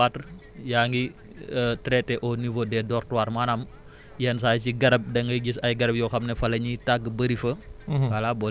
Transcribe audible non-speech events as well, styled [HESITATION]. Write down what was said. parce que boo leen di combattre yaa ngi [HESITATION] traiter au niveau des dortoires maanaam yenn saa yi si garab da ngay gis ay garab yoo xam ne fa la ñuy tagg bëri fa